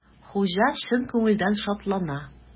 Хуҗа чын күңелдән шатлана.